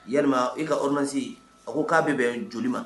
Yalima i ka ordonnance a ko k'a bɛ bɛn joli ma